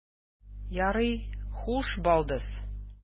Ярый, хуш, балдыз.